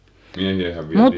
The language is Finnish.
miehiähän vietiin